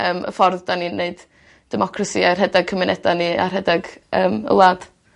yym y ffordd 'dan ni'n neud democracy a rhedeg cymuneda ni a rhedeg yym y wlad.